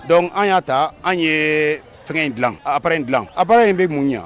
Dɔnku an y'a ta an ye fɛn in dila ara in dila ara in bɛ mun ye